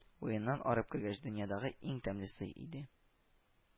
Уеннан арып кергәч, дөньядагы иң тәмле сый инде